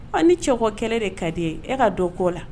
Ni cɛ kɛlen de ka di e ka dɔn ko la